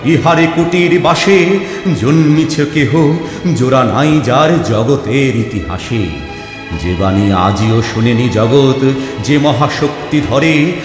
ইহারই কুটীর বাসে জন্মিছে কেহ জোড়া নাই যার জগতের ইতিহাসে যে বাণী আজিও শোনেনি জগৎ যে মহাশক্তিধরে